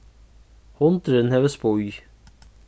hundurin hevur spýð